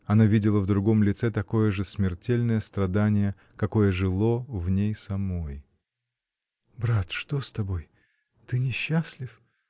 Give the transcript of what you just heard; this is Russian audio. Она видела на другом лице такое же смертельное страдание, какое жило в ней самой. — Брат, что с тобой? ты несчастлив!